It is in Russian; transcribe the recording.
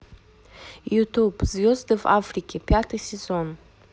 ютуб звезды в африке пятый сезон